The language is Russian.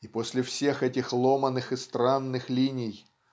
И после всех этих ломаных и странных линий